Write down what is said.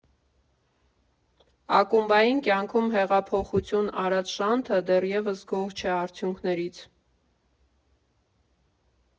Ակումբային կյանքում հեղափոխություն արած Շանթը դեռևս գոհ չէ արդյունքներից։